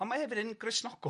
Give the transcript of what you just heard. ond mae 'efyd yn Gristnogol.